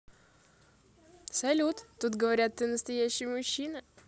салют тут говорят ты настоящий мужчина